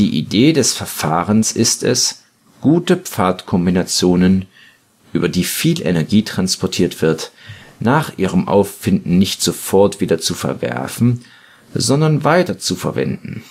Idee des Verfahrens ist es, „ gute “Pfadkombinationen, über die viel Energie transportiert wird, nach ihrem Auffinden nicht sofort wieder zu verwerfen, sondern weiterzuverwenden